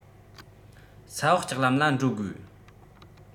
ས འོག ལྕགས ལམ ལ འགྲོ དགོས